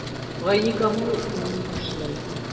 Гайникамал укуын ташлый.